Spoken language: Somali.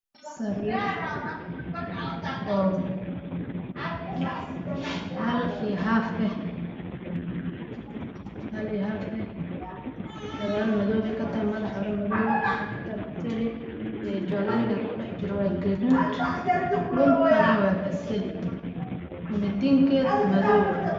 Meeshaan waxaa ka muuqdo sariir hal iyo haaf ah